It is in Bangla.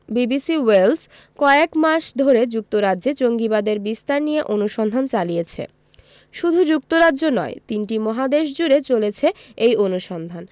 বিবিসি ওয়েলস কয়েক মাস ধরে যুক্তরাজ্যে জঙ্গিবাদের বিস্তার নিয়ে অনুসন্ধান চালিয়েছে শুধু যুক্তরাজ্য নয় তিনটি মহাদেশজুড়ে চলেছে এই অনুসন্ধান